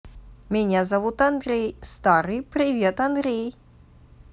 меня зовут андрей старый привет андрей